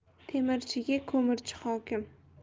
temirchiga ko'mirchi hokim